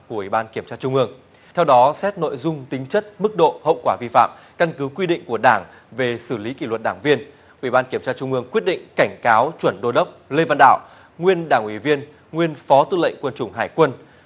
của ủy ban kiểm tra trung ương theo đó xét nội dung tính chất mức độ hậu quả vi phạm căn cứ quy định của đảng về xử lý kỷ luật đảng viên ủy ban kiểm tra trung ương quyết định cảnh cáo chuẩn đô đốc lê văn đạo nguyên đảng ủy viên nguyên phó tư lệnh quân chủng hải quân